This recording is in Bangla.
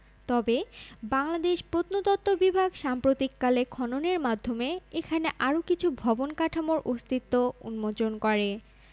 তবে বাংলাদেশ প্রত্নতত্ত্ব বিভাগ সাম্প্রতিককালে খননের মাধ্যমে এখানে আরও কিছু ভবন কাঠামোর অস্তিত্ব উন্মোচন করে